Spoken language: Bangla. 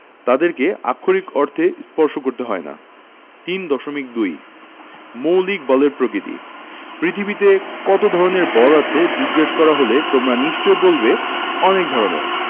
তাদেরকে আক্ষরিক অর্থে স্পর্শ করতে হয় না 3.2 মৌলিক বলের প্রকৃতিঃ পৃথিবীতে কত ধরনের বল আছে জিজ্ঞেস করা হলে তোমরা নিশ্চয়ই বলবে অনেক ধরনের